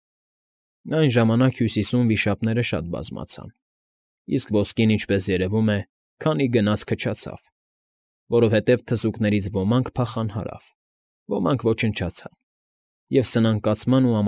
Այն ժամանակ Հյուսիսում վիշապները շատ բազմացան, իսկ ոսկին, ինչպես երևում է, քանի գնաց քչացավ, որովհետև թզուկներից ոմանք փախան Հարավ, ոմանք ոչնչացան, և սնանկացման ու։